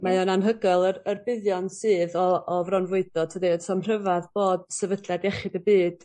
Mae o'n anhygoel yr yr buddion sydd o o fronfwydo tydi 'sam rhyfedd bod sefydliad Iechyd y Byd